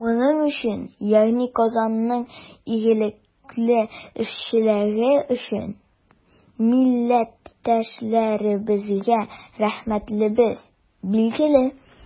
Моның өчен, ягъни Казанның игелекле эшчәнлеге өчен, милләттәшләребезгә рәхмәтлебез, билгеле.